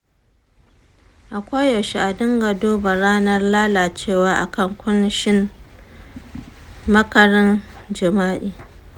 a koyaushe a dunga duba ranar lalacewa a kan kunshin makarin jima’i.